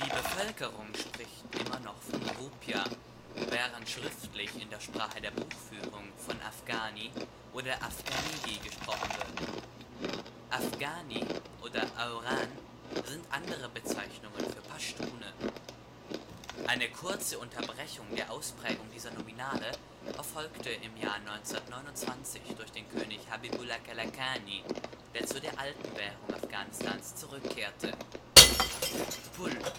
Bevölkerung spricht immer noch von Rupia, während schriftlich in der Sprache der Buchführung von afghani oder afghanigi gesprochen wird. afghani oder aughan sind andere Bezeichnungen für Paschtune. Eine kurze Unterbrechung der Ausprägung dieser Nominale erfolgte im Jahr 1929 durch den König Habibullah Kalakâni, der zu der alten Währung Afghanistans zurückkehrte. Pul